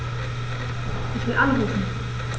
Ich will anrufen.